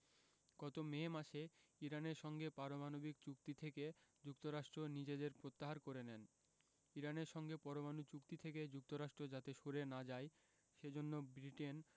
গত মে মাসে ইরানের সঙ্গে পারমাণবিক চুক্তি থেকে যুক্তরাষ্ট্র নিজেদের প্রত্যাহার করে নেন ইরানের সঙ্গে পরমাণু চুক্তি থেকে যুক্তরাষ্ট্র যাতে সরে না যায় সে জন্য ব্রিটেন